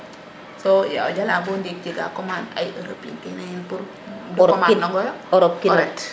so ya o jala bo ndik jega commande ay europe in kene yiin pour commande ongo yo o ret